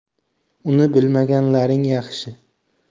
uni bilmaganlaring yaxshi